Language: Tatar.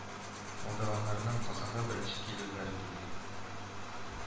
Молдованнарның Казанга беренче килүләре түгел